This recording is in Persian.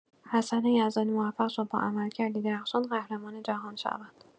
حسن یزدانی موفق شد با عملکردی درخشان، قهرمان جهان شود.